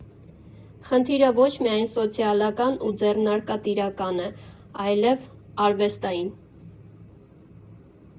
Խնդիրը ոչ միայն սոցիալական ու ձեռնարկատիրական է, այլև արվեստային։